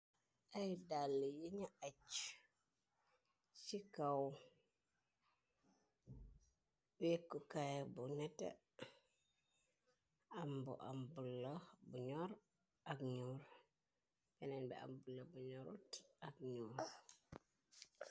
Ay dàlla yung acc ci kaw wekkukaay bu nete amb ambula bu ñoor ak nyuur penen bi ambula bu ñorut ak ñyuur.